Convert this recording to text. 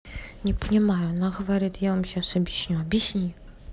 не понимаю она говорит я вам сейчас объясню объясни